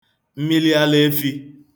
mmilialaefī